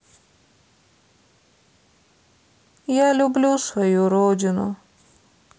я люблю свою родину